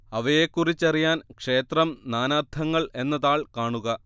അവയെക്കുറിച്ചറിയാൻ ക്ഷേത്രം നാനാർത്ഥങ്ങൾ എന്ന താൾ കാണുക